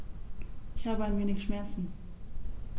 Ich habe ein wenig Schmerzen.